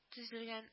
Төзелгән